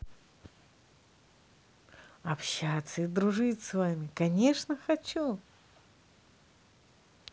общаться и дружить с вами конечно хочу